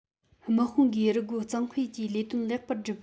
དམག དཔུང གིས རུལ རྒོལ གཙང སྤེལ གྱི ལས དོན ལེགས པར བསྒྲུབས